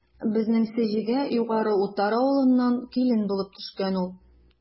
Безнең Сеҗегә Югары Утар авылыннан килен булып төшкән ул.